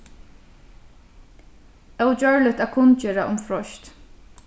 ógjørligt at kunngera um freist